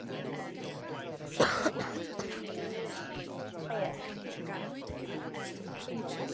I wneud yym gweithgareddau deg tan dau... ia. ...teulu a diwrnod hwyl ia?